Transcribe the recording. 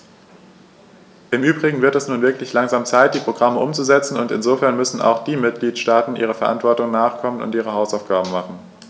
Im übrigen wird es nun wirklich langsam Zeit, die Programme umzusetzen, und insofern müssen auch die Mitgliedstaaten ihrer Verantwortung nachkommen und ihre Hausaufgaben machen.